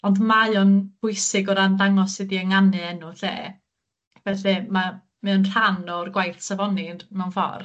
ond mae o'n bwysig o ran dangos sud i ynganu enw lle, felly ma' mae o'n rhan o'r gwaith safoni mewn ffor.